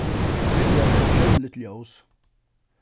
tað byrjar sum sjónligt ljós